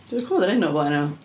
Dwi 'di clwad yr enw o blaen ia.